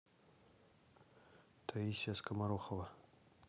таисия скоморохова